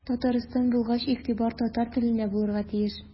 Татарстан булгач игътибар татар теленә булырга тиеш.